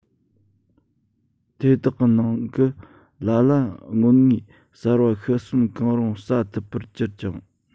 དེ དག གི ནང གི ལ ལ རྔོན དངོས གསར པ ཤི གསོན གང རུང ཟ ཐུབ པར གྱུར ཅིང